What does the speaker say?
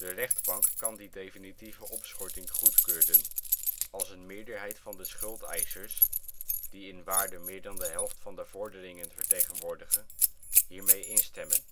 rechtbank kan die definitieve opschorting goedkeuren als een meerderheid van de schuldeisers, die in waarde meer dan de helft van de vorderingen vertegenwoordigen, hiermee instemmen